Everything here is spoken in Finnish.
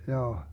joo